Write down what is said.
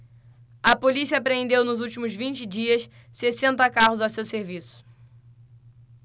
a polícia apreendeu nos últimos vinte dias sessenta carros a seu serviço